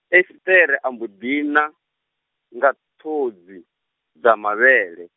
Esiṱere a mbo ḓi na nga, ṱhodzi, dza mavhele.